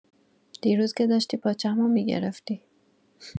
دیروز که داشتی پاچمو می‌گرفتی!